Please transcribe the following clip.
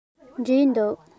འབྲས འདུག